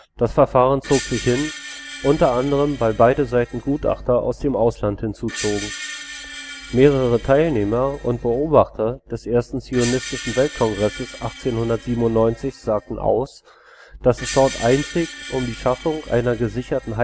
Das Verfahren zog sich hin, unter anderem weil beide Seiten Gutachter aus dem Ausland hinzuzogen. Mehrere Teilnehmer und Beobachter des Ersten Zionistischen Weltkongresses 1897 sagten aus, dass es dort einzig um die Schaffung einer gesicherten